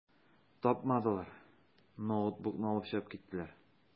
Тапмадылар, ноутбукны алып чыгып киттеләр.